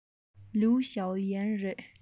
ལིའི ཞའོ ཡན རེད